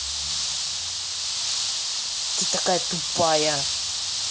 ты такая тупая